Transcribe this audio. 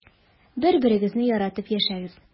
Бер-берегезне яратып яшәгез.